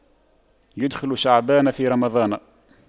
يُدْخِلُ شعبان في رمضان